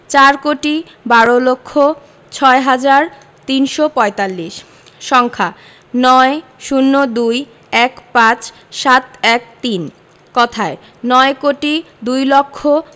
চার কোটি বার লক্ষ ছয় হাজার তিনশো পঁয়তাল্লিশ সংখ্যাঃ ৯ ০২ ১৫ ৭১৩ কথায়ঃ নয় কোটি দুই লক্ষ